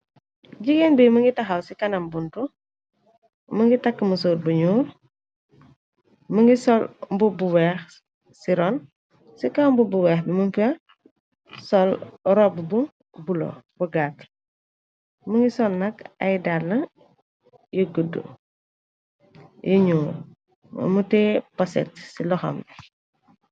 Jigéen bi mu ngi taxaw ci kanam buntu më ngi tàkkmu soor bu ñuur më ngi sol mbu bu weex ci ron ci kanam bub bu weex bi munfe sol rob bu bulo bugaat më ngi sol nak ay dalna yëgguddu yi ñuu mamu tee poset ci loxam bi.